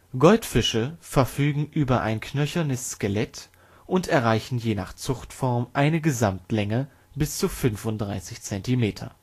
Goldfische verfügen über ein knöchernes Skelett und erreichen je nach Zuchtform eine Gesamtlänge bis zu 35 Zentimeter